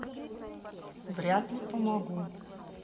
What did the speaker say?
вряд ли помогу